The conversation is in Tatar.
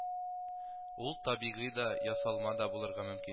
Ул табигый да, ясалма да булырга мөмкин